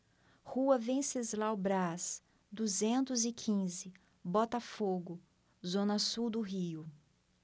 rua venceslau braz duzentos e quinze botafogo zona sul do rio